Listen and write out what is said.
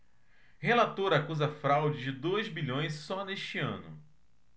relator acusa fraude de dois bilhões só neste ano